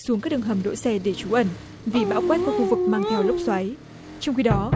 xuống các đường hầm đỗ xe để trú ẩn vì bão quét qua khu vực mang theo lốc xoáy trong khi đó